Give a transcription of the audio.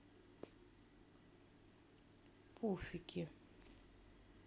пуфики